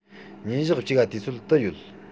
ཉིན ཞག གཅིག ག དུས ཚོད དུ ཡོད